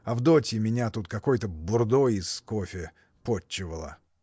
Авдотья меня тут какой-то бурдой из кофе потчевала.